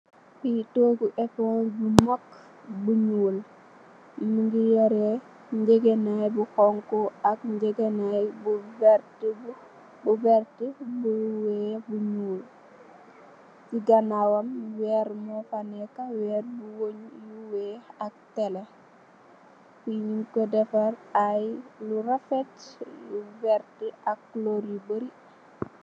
Lii tohgu ecole bu mak bu njull, mungy yorreh njehgah nai bu honhu ak njehgah naii bu vertue, bu vertue, bu wekh, bu njull, cii ganawam wehrre mofa neka, wehrre bu weungh yu wekh ak tele, njung kor defarr aiiy yu rafet yu vertue ak couleur yu bari.